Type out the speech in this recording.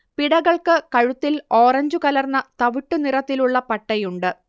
പിടകൾക്ക് കഴുത്തിൽ ഓറഞ്ചു കലർന്ന തവിട്ടുനിറത്തിലുള്ള പട്ടയുണ്ട്